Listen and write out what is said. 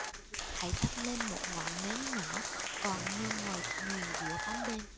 hãy thắp lên một ngọn nến nhỏ còn hơn ngồi nguyền rủa bóng đêm